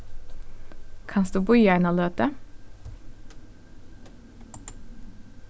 kanst tú bíða eina løtu